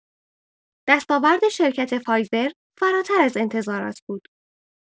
دست آورد شرکت فایزر فراتر از انتظارات بود.